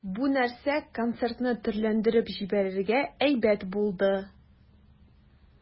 Бу нәрсә концертны төрләндереп җибәрергә әйбәт булды.